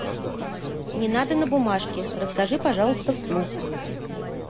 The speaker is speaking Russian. не надо на бумажке расскажи пожалуйста вслух